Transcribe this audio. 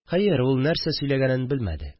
Хәер, ул нәрсә сөйләгәнен белмәде